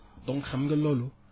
donc xam nga loolu